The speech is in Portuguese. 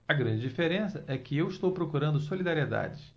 a grande diferença é que eu estou procurando solidariedade